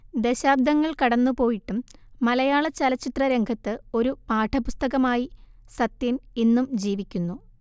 ദശാബ്ദങ്ങൾ കടന്നുപോയിട്ടും മലയാള ചലച്ചിത്ര രംഗത്ത് ഒരു പാഠപുസ്തകമായി സത്യൻ ഇന്നും ജീവിക്കുന്നു